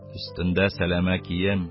Өстендә сәләмә кием,